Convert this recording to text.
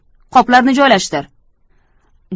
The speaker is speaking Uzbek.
qoplarni joylashtir